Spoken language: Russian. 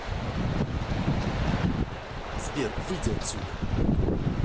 сбер выйди отсюда